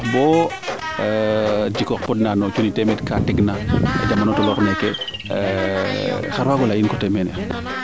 o xoox bo podna ando naye cuccni temeed ka teg na jamano toloox neeke xar waago leya in coté mene